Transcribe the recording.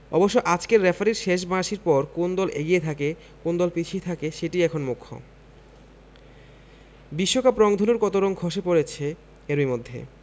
অবশ্য আজকের রেফারির শেষ বাঁশির পর কোন দল এগিয়ে থাকে কোন দল পিছিয়ে সেটিই এখন মুখ্য বিশ্বকাপ রংধনুর কত রং খসে পড়েছে এরই মধ্যে